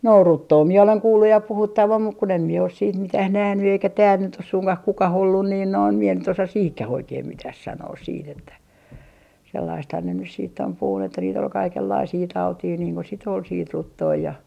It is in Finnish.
no ruttoa minä olen kuullut ja puhuttavan mutta kun en minä ole sitten mitään nähnyt eikä täällä nyt ole suinkaan kukaan ollut niin noin minä nyt osaa siihenkään oikein mitään sanoa sitten että sellaistahan ne nyt sitten on puhunut että niitä oli kaikenlaisia tauteja niin kun sitten oli sitten ruttoa ja